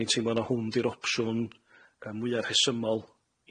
'dan ni'n teimlo na hwn 'di'r opsiwn yy mwya' rhesymol,